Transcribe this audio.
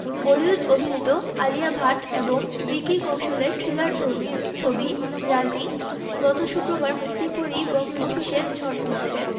বলিউড অভিনেত্রী আলিয়া ভাট এবং ভিকি কৌশলের থ্রিলারধর্মী ছবি রাজী গত শুক্রবার মুক্তির পরই বক্স অফিসে ঝড় তুলেছে